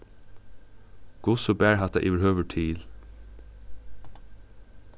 hvussu bar hatta yvirhøvur til